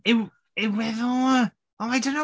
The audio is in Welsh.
Yw yw e ddo? O I don't know!